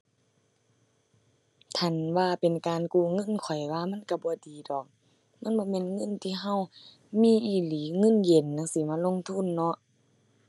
ถ้าหั้นว่าเป็นการกู้เงินข้อยว่ามันก็บ่ดีดอก มันบ่แม่นเงินที่ก็มีอีหลี เงินเย็นจั่งซี้ มาลงทุนเนาะ